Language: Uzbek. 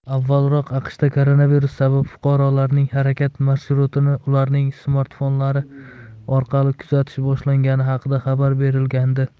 avvalroq aqshda koronavirus sabab fuqarolarning harakat marshrutini ularning smartfonlari orqali kuzatish boshlangani haqida xabar berilgandi